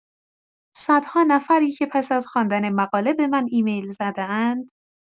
صدها نفری که پس از خواندن مقاله به من ایمیل زده‌اند.